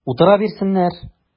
Утыра бирсеннәр!